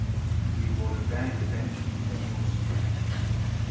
vit vóru bæði bangin fyri at tosa